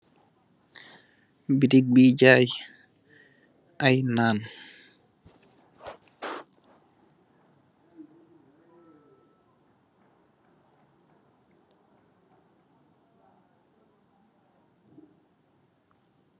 Bitik bii jaay ay naan.